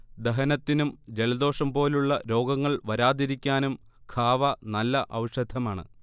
ദഹനത്തിനും ജലദോഷം പോലുള്ള രോഗങ്ങൾ വരാതിരിക്കാനും ഖാവ നല്ല ഔഷധമാണ്